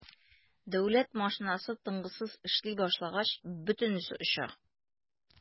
Дәүләт машинасы тынгысыз эшли башлагач - бөтенесе оча.